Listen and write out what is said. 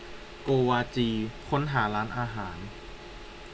โกวาจีค้นหาร้านอาหาร